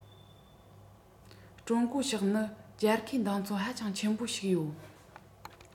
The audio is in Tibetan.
ཀྲུང གོ ཕྱོགས ནི རྒྱལ ཁའི གདེང ཚོད ཧ ཅང ཆེན པོ ཞིག ཡོད